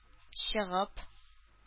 Чыгып